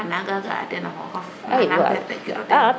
na nanga ga a tena xoxof nda perte kiro teen